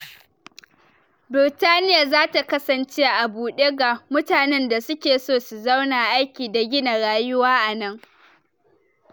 Birtaniya za ta kasance a bude ga mutanen da suke so su zauna, aiki da gina rayuwa a nan.